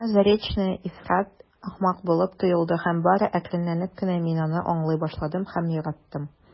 Миңа Заречная ифрат ахмак булып тоелды һәм бары әкренләп кенә мин аны аңлый башладым һәм яраттым.